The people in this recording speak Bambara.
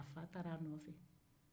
a fa taara a nɔfɛ